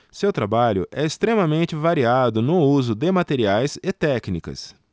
seu trabalho é extremamente variado no uso de materiais e técnicas